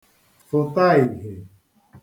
fụ̀ta ìhiè